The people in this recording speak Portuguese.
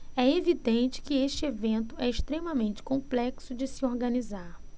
é evidente que este evento é extremamente complexo de se organizar